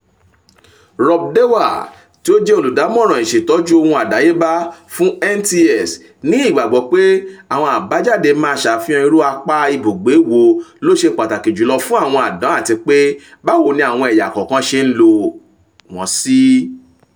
Rob Dewar, tí ó jẹ́ olùdámọ̀ràn ìṣètọ́jú ohun àdáyébá fún NTS, ní ìgbàgbọ pé àwọn àbájáde máa ṣàfihàn irú apá ibúgbé wo ló ṣe pàtàkì jùlọ fún àwọn àdán àtipé báwo ni àwọn ẹ̀yà kọ̀ọ̀kan ṣe ń lò wọ́n sí.